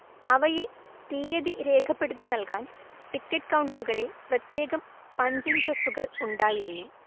അവയിൽ തീയ്യതി രേഖപ്പെടുത്തി നൽകാൻ ടിക്കറ്റ് കൗണ്ടറുകളിൽ പ്രത്യേകം പഞ്ചിങ് പ്രസ്സുകൾ ഉണ്ടായിരുന്നു